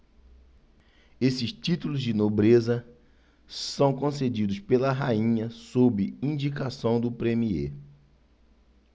esses títulos de nobreza são concedidos pela rainha sob indicação do premiê